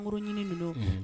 En gros ɲini ninnu Unhun!